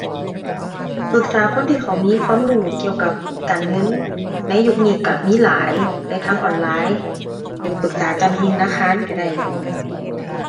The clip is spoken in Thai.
ปรึกษาคนที่เขามีความรู้เกี่ยวกับการเงิน ในยุคนี้ก็มีหลายในทางออนไลน์หรือปรึกษาเจ้าหน้าที่ธนาคารก็ได้